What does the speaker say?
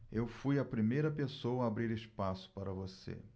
eu fui a primeira pessoa a abrir espaço para você